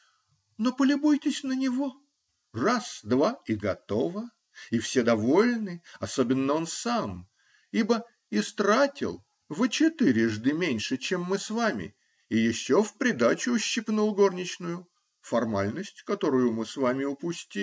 Но полюбуйтесь на него: раз, два и готово, и все довольны, особенно он сам, ибо истратил во четырежды меньше, чем мы с вами, и еще в придачу ущипнул горничную -- формальность, которую мы с вами упустили.